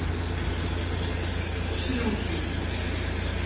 шлюхи